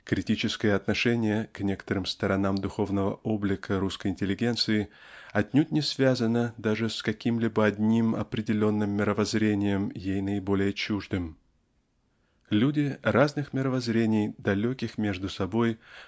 Критическое отношение к некоторым сторонам духовного облика русской интеллигенции отнюдь не связано даже с каким-либо одним определенным мировоззрением ей наиболее чуждым. Люди разных мировоззрений далеких между собою